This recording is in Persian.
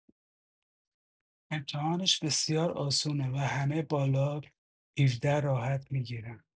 امتحانش بسیار آسونه و همه بالا ۱۷ راحت می‌گیرن